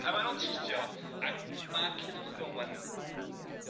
A ma' nw'n teithio ac ma' Culhwch ag Olwen